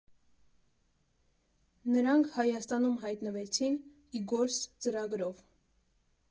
Նրանք Հայաստանում հայտնվեցին «Ի գործ» ծրագրով։